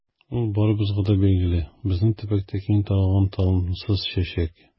Ул барыбызга да билгеле, безнең төбәктә киң таралган талымсыз чәчәк.